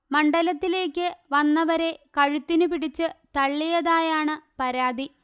മണ്ഡലത്തിലേക്ക് വന്നവരെ കഴുത്തിനു പിടിച്ച് തള്ളിയതായാണ് പരാതി